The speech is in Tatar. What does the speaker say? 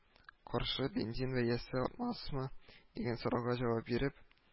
Каршы бензин бәясе артмасмы дигән сорауга җавап биреп